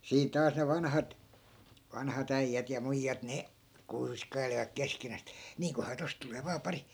siinä taas ne vanhat vanhat äijät ja muijat ne kuiskailivat keskenään että niinköhän tuosta tulee vain pari